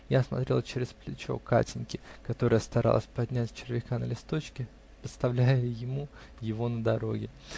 Я смотрел через плечо Катеньки, которая старалась поднять червяка на листочке, подставляя ему его на дороге.